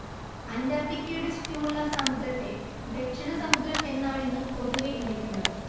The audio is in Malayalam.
അന്റാർട്ടിക്കയുടെ ചുറ്റുമുള്ള സമുദ്രത്തെ ദക്ഷിണസമുദ്രം എന്നാണിന്ന് പൊതുവേ വിളിക്കുന്നത്